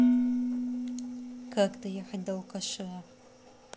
как доехать до алкаша